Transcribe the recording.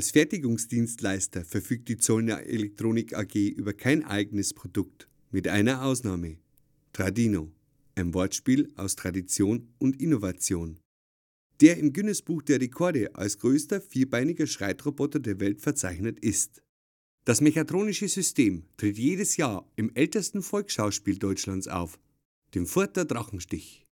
Fertigungsdienstleister verfügt die Zollner Elektronik AG über kein eigenes Produkt – mit einer Ausnahme: „ Tradinno “(ein Wortspiel aus „ Tradition “und „ Innovation “), der im Guinness-Buch der Rekorde als größter vierbeiniger Schreitroboter der Welt verzeichnet ist. Das mechatronische System tritt jedes Jahr im ältesten Volksschauspiel Deutschlands auf, dem Further Drachenstich